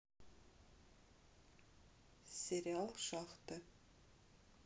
сериал шахта